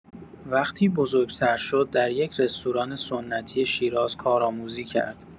وقتی بزرگ‌تر شد، در یک رستوران سنتی شیراز کارآموزی کرد.